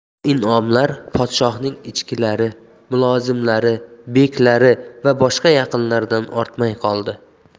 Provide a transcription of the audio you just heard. bu inomlar podshohning ichkilari mulozimlari beklari va boshqa yaqinlaridan ortmay qoldi